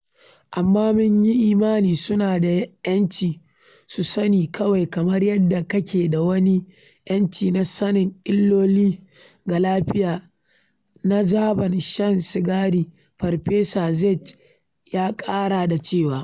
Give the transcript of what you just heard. Amma mun yi imani suna da ‘yanci su sani - kawai kamar yadda kake da wani ‘yanci na sanin illoli ga lafiya na zaɓan shan sigari,’ Farfesa Czeisler ya ƙara da cewa.